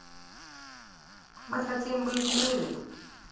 мы хотим быть music